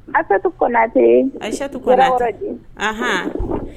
Asetu ko ten asetu aɔn